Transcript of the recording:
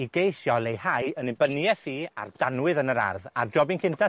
i geisio leihau 'yn nibynieth i ar danwydd yn yr ardd. A'r jobyn cynta